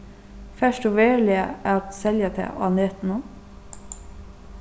fert tú veruliga at selja tað á netinum